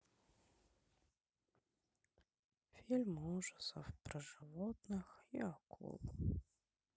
фильм ужасов про животных и акул